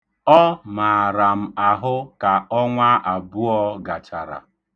Ọ maara m ahụ ka ọnwa abụọ gachara.